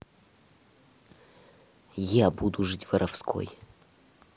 я буду жить воровской